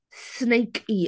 Snakey.